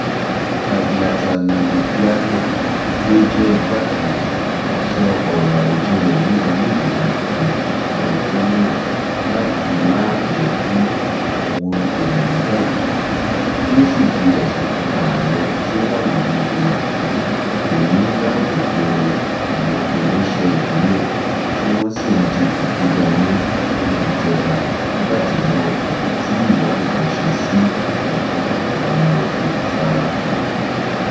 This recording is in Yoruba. Kardiata Malick Diallo, tí ó jẹ́ igbákejì, sọ ọrọ àròjinlẹ̀ ní ilé Ìgbìmọ̀ aṣòfin Mauritania láti máà jẹ́ kí àwọn ènìyàn gbàgbé, tí ó sì fi ẹ̀sùn kàn ààrẹ tí ó wà lórí oyè pé ó ń dáàbò bo àwọn oníṣẹ́-ibi náà, tí wọ́n ṣì ń dipò gíga mú nínú ìjọba nígbà tí wọn kò tí ì wá nǹkan ṣe sí ẹ̀tọ́ àwọn olùfarapa: